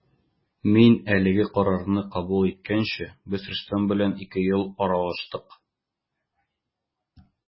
Мин әлеге карарны кабул иткәнче без Рөстәм белән ике ел аралаштык.